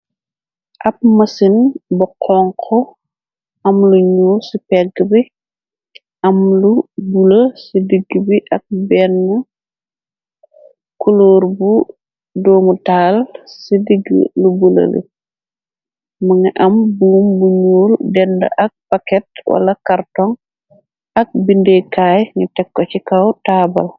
Ap mësin bu xonxo am lu ñuul ci pegg bi am lu bula ci diggu bi ak benn kuloor bu doomu taal ci digg lu bula, li ma nga am buum bu ñuul denda ak paket wala kartoŋ ak bindeekaay ni tekko ci kaw taabal.